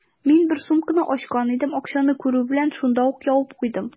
Мин бер сумканы ачкан идем, акчаны күрү белән, шунда ук ябып куйдым.